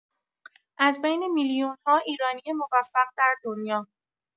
از بین میلیون‌ها ایرانی موفق در دنیا